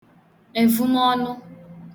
èvụmọnụ